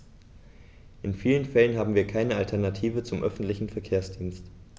In vielen Fällen haben wir keine Alternative zum öffentlichen Verkehrsdienst.